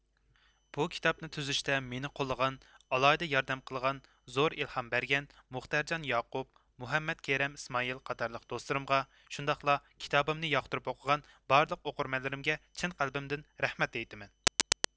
بۇ كىتابنى تۈزۈشتە مېنى قوللىغان ئالاھىدە ياردەم قىلغان زور ئىلھام بەرگەن مۇختەرجان ياقۇپ مۇھەممەد كېرەم ئىسمائىل قاتارلىق دوستلىرىمغا شۇنداقلا كىتابىمنى ياقتۇرۇپ ئوقۇغان بارلىق ئوقۇرمەنلىرىمگە چىن قەلبىمدىن رەھمەت ئېيتىمەن